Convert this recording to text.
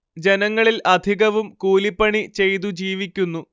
ജനങ്ങളിൽ അധികവും കൂലി പണി ചെയ്തു ജീവിക്കുന്നു